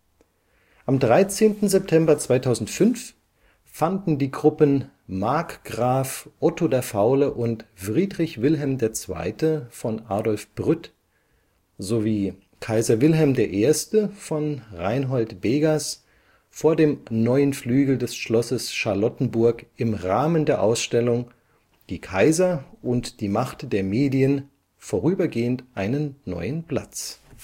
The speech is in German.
Am 13. September 2005 fanden die Gruppen Markgraf Otto der Faule und Friedrich Wilhelm II. von Adolf Brütt sowie Kaiser Wilhelm I. von Reinhold Begas vor dem Neuen Flügel des Schlosses Charlottenburg im Rahmen der Ausstellung Die Kaiser und die Macht der Medien vorübergehend einen neuen Platz